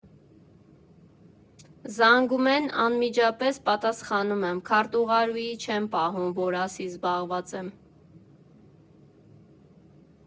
Զանգում են, անմիջապես պատասխանում եմ՝ քարտուղարուհի չեմ պահում, որ ասի զբաղված եմ։